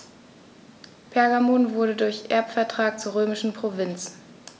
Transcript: Pergamon wurde durch Erbvertrag zur römischen Provinz.